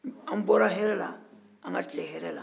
an bɔra hɛɛrɛ la an tilen hɛɛrɛ la